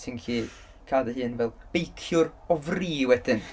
Ti'n gallu cael dy hun fel 'beiciwr o fri' wedyn.